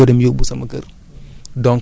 di jël ngooñ mi di ko dem yóbbu sama kër